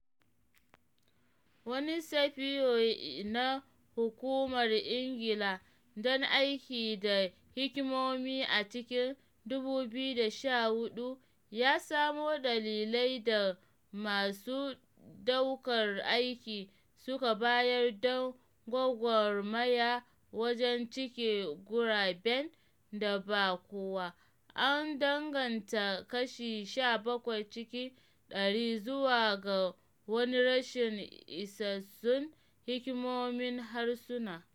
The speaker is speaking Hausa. Wani safiyo na Hukumar Ingila don Aiki da Hikimomi a cikin 2014 ya samo dalilai da masu ɗaukan aiki suka bayar don gwagwarmaya wajen cike guraben da ba kowa, an danganta kashi 17 cikin ɗari zuwa ga wani rashin isassun hikimomin harsuna.